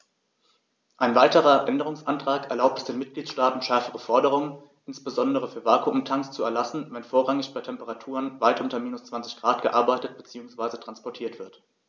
Ein weiterer Änderungsantrag erlaubt es den Mitgliedstaaten, schärfere Forderungen, insbesondere für Vakuumtanks, zu erlassen, wenn vorrangig bei Temperaturen weit unter minus 20º C gearbeitet bzw. transportiert wird.